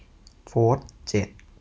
โฟธเจ็ด